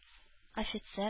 Офицер